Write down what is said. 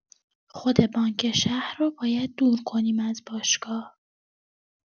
خود بانک شهر رو باید دور کنیم از باشگاه.